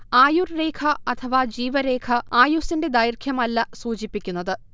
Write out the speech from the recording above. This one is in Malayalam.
ആയുർരേഖ അഥവാ ജീവരേഖ ആയുസ്സിന്റെ ദൈർഘ്യമല്ല സൂചിപ്പിക്കുന്നത്